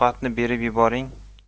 ovqatni berib yuboring